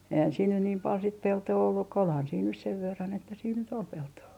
eihän siinä nyt niin paljon sitten peltoa ollut kun olihan siinä nyt sen verran että siinä nyt oli peltoa